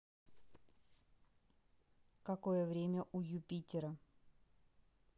какое время у юпитера